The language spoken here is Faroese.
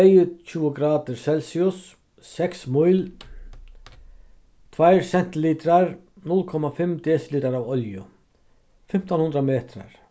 tveyogtjúgu gradir celsius seks míl tveir sentilitrar null komma fimm desilitrar av olju fimtan hundrað metrar